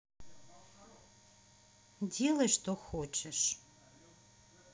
делай что хочешь